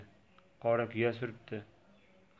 qorakuya suribdi